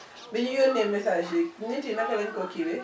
bi ñu yónnee messages yi nit yi naka la ñu ko kiiwee